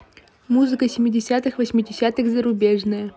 музыка семидесятых восьмидесятых зарубежная